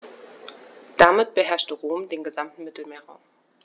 Damit beherrschte Rom den gesamten Mittelmeerraum.